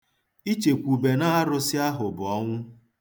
Ichekwube n'arụsị ahụ bụ ọnwụ.